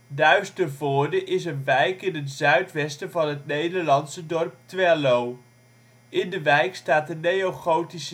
Duistervoorde is een wijk in het zuidwesten van het Nederlandse dorp Twello. In de wijk staat de neo-gotische